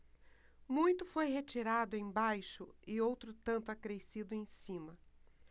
muito foi retirado embaixo e outro tanto acrescido em cima